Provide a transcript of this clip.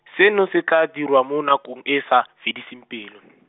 seno se tla dirwa mo nakong e sa, fediseng pelo.